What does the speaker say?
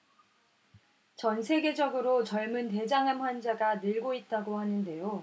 전 세계적으로 젊은 대장암 환자가 늘고 있다고 하는데요